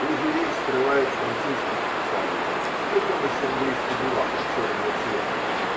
Пузыри вскрывает французский специалист при помощи английской булавки черного цвета.